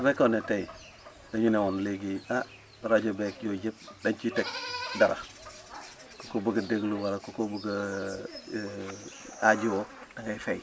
su fekkoon ne tey da ñu ne woon léegi ah rajo beeg yooyu yëpp dañ ciy teg dara ku bëgg a déglu wala ku ko bëgg a aajowoo da ngay fay